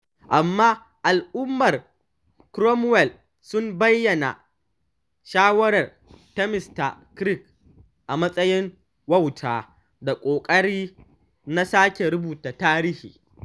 Amma Al’ummar Cromwell sun bayyana shawarar ta Mista Crick a matsayin “wauta” da “ƙoƙari na sake rubuta tarihi.”